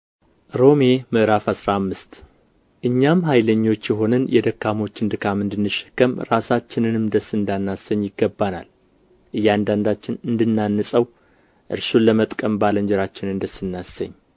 ሮሜ ምዕራፍ አስራ አምስት እኛም ኃይለኞች የሆንን የደካሞችን ድካም እንድንሸከም ራሳችንንም ደስ እንዳናሰኝ ይገባናል እያንዳንዳችን እንድናንጸው እርሱን ለመጥቀም ባልንጀራችንን ደስ እናሰኝ